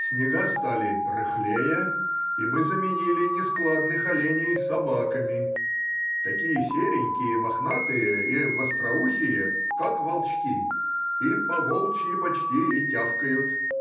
снега стали рыхлее, и мы заменили нескладных оленей собаками — такие серенькие, мохнатые и востроухие, как волчки, и по-волчьи почти и тявкают.